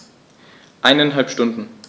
Eineinhalb Stunden